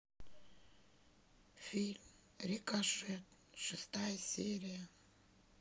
фильм рикошет шестая серия